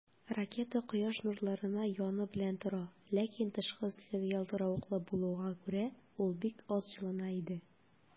Ракета Кояш нурларына яны белән тора, ләкин тышкы өслеге ялтыравыклы булганга күрә, ул бик аз җылына иде.